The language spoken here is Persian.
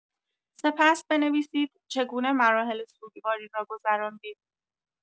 سپس بنویسید چگونه مراحل سوگواری را گذراندید.